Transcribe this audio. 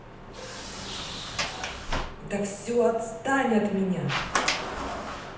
да все отстань от меня